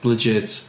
Legit.